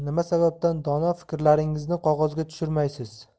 nima sababdan dono fikrlaringizni qog'ozga tushirmaysiz